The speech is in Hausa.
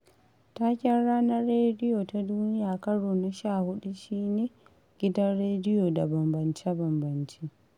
Taken Ranar Rediyo Ta Duniya karo na 14 shi ne '' Gidan rediyo da bambance-bambance”